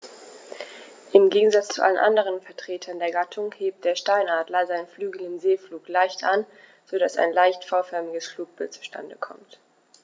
Im Gegensatz zu allen anderen Vertretern der Gattung hebt der Steinadler seine Flügel im Segelflug leicht an, so dass ein leicht V-förmiges Flugbild zustande kommt.